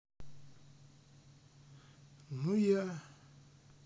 ну я